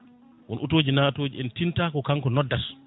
won auto ji natoji en tinta ko kanko noddata